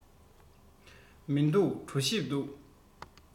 མི འདུག གྲོ ཞིབ འདུག